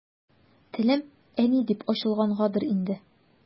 Телем «әни» дип ачылгангадыр инде.